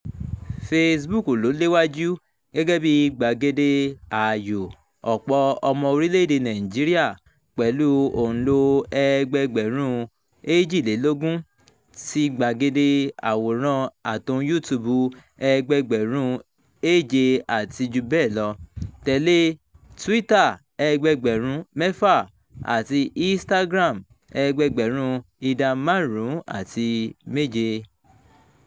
Facebook ló léwájú gẹ́gẹ́ bí i gbàgede ààyò ọ̀pọ̀ ọmọ orílẹ̀-èdèe Nàìjíríà pẹ̀lú òǹlò ẹgbẹẹgbẹ̀rún 22, tí gbàgede àwòrán-àtohùn YouTube (ẹgbẹẹgbẹ̀rún 7 àti jù bẹ́ẹ̀ lọ) tẹ̀lé e, Twitter (ẹgbẹẹgbẹ̀rún 6) àti Instagram (ẹgbẹẹgbẹ̀rún 5.7).